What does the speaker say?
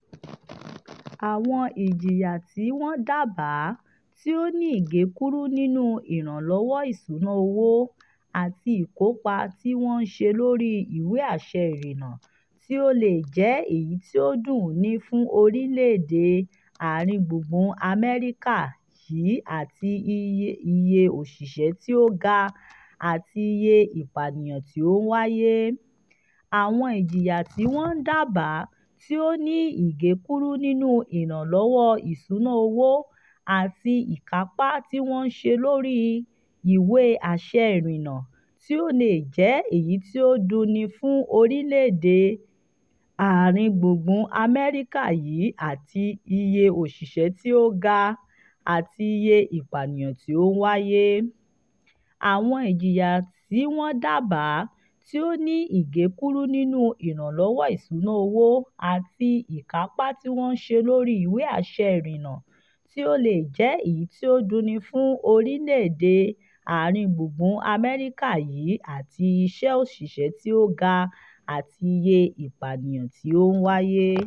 Àwọn ìjìyà tí wọ́n dábàá, tí ó ní ìgékúrú nínú ìrànlọ́wọ́ ìṣúnná owó àti ìkápá tí wọ́n ń ṣe lórí ìwé àṣẹ ìrìnnà, tí ò lè jẹ́ èyí tí ó dùn ni fún orílẹ̀-èdè Central America yìí àti iye òṣìṣẹ́ tí ó ga àti iye ìpànìyàn tí ó ń wáyé.